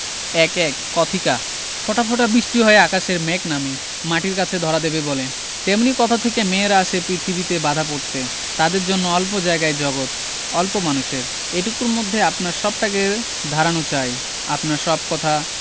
১১ কথিকা ফোঁটা ফোঁটা বিষ্টি হয়ে আকাশের মেঘ নামে মাটির কাছে ধরা দেবে বলে তেমনি কথা থেকে মেয়েরা আসে পৃথিবীতে বাঁধা পড়তে তাদের জন্য অল্প জায়গায় জগত অল্প মানুষের এটুকুর মধ্যে আপনার সবটাকে ধারানো চাই আপনার সব কথা